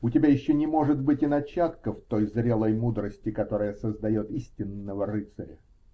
У тебя еще не может быть и начатков той зрелой мудрости, которая создает истинного рыцаря.